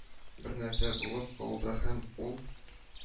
Бернәрсә булып калды һәм ул: